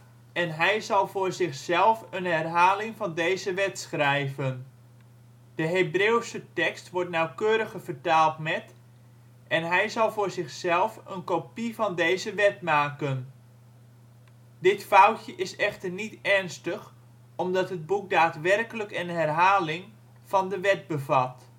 en hij zal voor zich zelf een herhaling van deze wet schrijven. " De Hebreeuwse tekst wordt nauwkeuriger vertaald met: " en hij zal voor zichzelf een kopie van deze wet maken. " Dit foutje is echter niet ernstig, omdat het boek daadwerkelijk een herhaling van de wet bevat